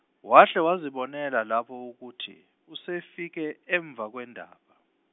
wahle wazibonela lapho ukuthi, usefike emuva kwendaba.